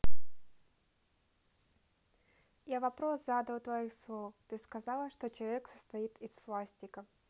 я вопрос задал твоих слов ты сказала что человек состоит из пластика